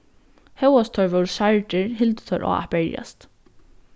hóast teir vóru særdir hildu teir á at berjast